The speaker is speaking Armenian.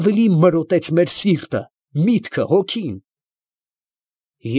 Ավելի մրոտեց մեր սիրտը, միտքը ու հոգին…։